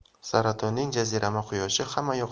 saratonning jazirama quyoshi